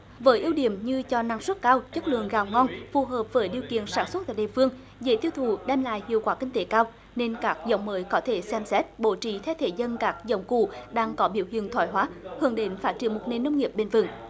với ưu điểm như cho năng suất cao chất lượng gạo ngon phù hợp với điều kiện sản xuất tại địa phương dễ tiêu thụ đem lại hiệu quả kinh tế cao nên các giống mới có thể xem xét bố trí thay thế dần các giống cũ đang có biểu hiện thoái hóa hướng đến phát triển một nền nông nghiệp bền vững